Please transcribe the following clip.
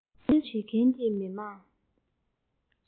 བརྟན སྲུང བྱེད མཁན གྱི མི དམངས